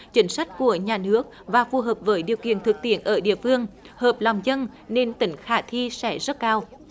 chính sách của nhà nước và phù hợp với điều kiện thực tiễn ở địa phương hợp lòng dân nên tính khả thi sẽ rất cao